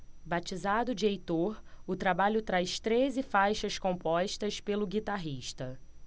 batizado de heitor o trabalho traz treze faixas compostas pelo guitarrista